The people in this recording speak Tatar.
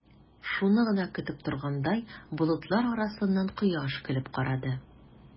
Шуны гына көтеп торгандай, болытлар арасыннан кояш көлеп карады.